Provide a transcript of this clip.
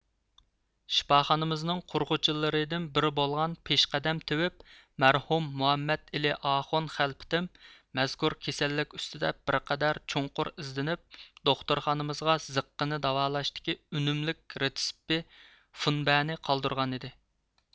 شىپاخانىمىزنىڭ قۇرغۇچىلىرىدىن بىرى بولغان پېشقەدەم تېۋىپ مەرھۇم مۇھەممەتئېلى ئاخۇن خەلپىتىم مەزكۇر كېسەللىك ئۈستىدە بىر قەدەر چوڭقۇر ئىزدىنىپ دوختۇرخانىمىزغا زىققىنى داۋالاشتىكى ئۈنۈملۈك رېتسېپى فۇنبەنى قالدۇرغان ئىدى